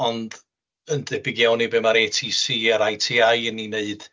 Ond yn debyg iawn i be' ma'r ATC a'r ITI yn ei neud.